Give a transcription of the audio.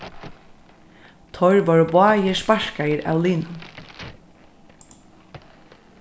teir vóru báðir sparkaðir av liðnum